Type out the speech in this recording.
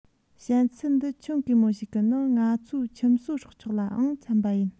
བཤད ཚུལ འདི ཁྱོན གེ མོ ཞིག གི ནང ང ཚོའི ཁྱིམ གསོ སྲོག ཆགས ལའང འཚམ པ ཡིན